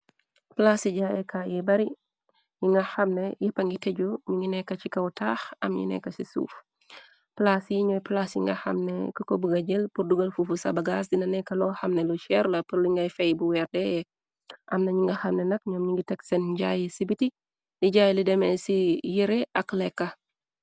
Plaase yi jaayekaa yi bari yi nga xamne yéppa ngi teju ñu ngi nekka ci kaw taax am ñi nekka ci suuf plaas yi ñooy plaase yi nga xamne ki ko bu nga jël portugal fuufu sabagaas dina nekk loo xamne lu ceerla përli ngay fey bu weerde amna ñu nga xamne nak ñoom ñi ngi teg seen jay ci biti di jaay li deme ci yëre ak lekka.